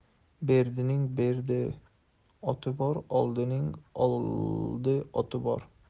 berdining berdi oti bor oldining oldi oti bor